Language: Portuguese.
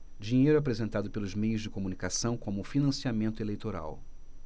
dinheiro apresentado pelos meios de comunicação como financiamento eleitoral